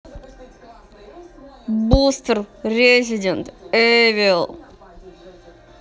бустер резидент эвил